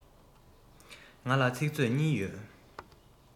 ང ལ ཚིག མཛོད གཉིས ཡོད